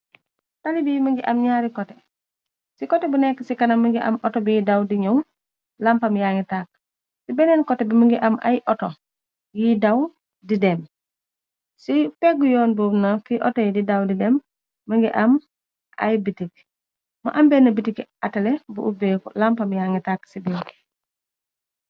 Taali bi mongi am ñaari kote ci kote bu neka ci kanam mongi am auto bi daw di ñaw lampam yaangi tàka ci benneen kote bi mongi am ay auto yiy daw di dém ci pegg yoon bobu nak fi autoy di daw di dem mongi am ay bitik mu am bena bitiki atale bu upbeuku lampam yaangi tàka ci birr.